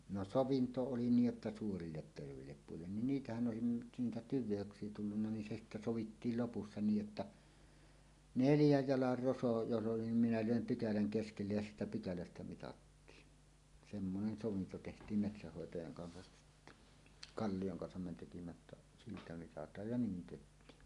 no sovinto oli niin jotta suurille terveille puille niin niitähän olisi nyt niitä tyveyksiä tullut niin se sitten sovittiin lopussa niin jotta neljän jalan roso jos oli niin minä löin pykälän keskelle ja siitä pykälästä mitattiin semmoinen sovinto tehtiin metsänhoitajan kanssa Kallion kanssa me teimme - että siitä mitataan ja niin tehtiin